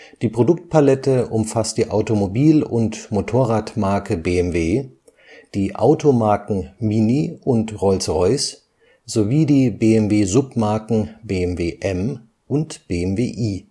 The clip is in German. Die Produktpalette umfasst die Automobil - und Motorrad-Marke BMW, die Automarken Mini und Rolls-Royce sowie die BMW-Submarken BMW M und BMW